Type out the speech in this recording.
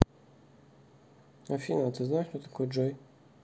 афина а ты знаешь кто такой джой